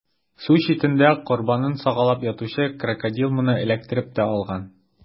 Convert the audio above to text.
Су читендә корбанын сагалап ятучы Крокодил моны эләктереп тә алган.